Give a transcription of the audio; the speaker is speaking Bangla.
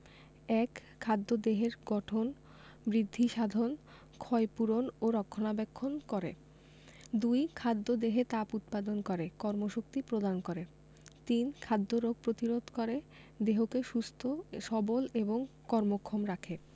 ১. খাদ্য দেহের গঠন বৃদ্ধিসাধন ক্ষয়পূরণ ও রক্ষণাবেক্ষণ করে ২. খাদ্য দেহে তাপ উৎপাদন করে কর্মশক্তি প্রদান করে ৩. খাদ্য রোগ প্রতিরোধ করে দেহকে সুস্থ সবল এবং কর্মক্ষম রাখে